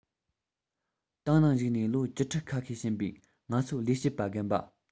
ཏང ནང ཞུགས ནས ལོ བཅུ ཕྲག ཁ ཤས ཕྱིན པའི ང ཚོའི ལས བྱེད པ རྒན པ